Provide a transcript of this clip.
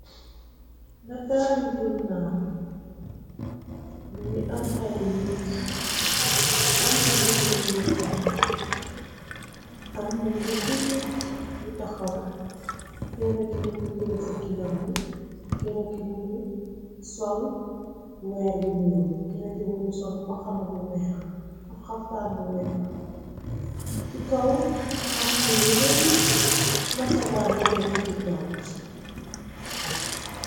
Nataali zunnam, mu ngi am ay net, am bind bindi yi xonx, am na ñetti nikk yu taxaw, kenn ki mu ngi téeg ci kinam bi, kenn ki muni sol weer bu ñuor, kenn ki muni sol mbaxanna, ab xaftaan bu weex ci kaw, am na yeneen nasaraan yu netti ci kaw.